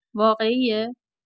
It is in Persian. واقعیه؟